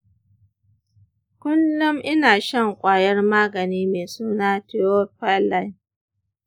kullum ina shan kwayar magani mai suna theophylline.